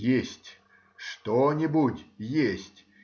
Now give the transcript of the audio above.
Есть, что-нибудь есть!